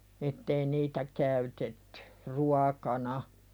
että ei niitä käytetty ruokana